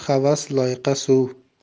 havas loyqa suv